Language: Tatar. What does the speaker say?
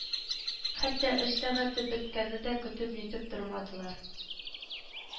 Хәтта эш сәгате беткәнне дә көтеп-нитеп тормадылар